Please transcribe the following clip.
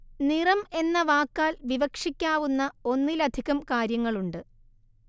നിറം എന്ന വാക്കാൽ വിവക്ഷിക്കാവുന്ന ഒന്നിലധികം കാര്യങ്ങളുണ്ട്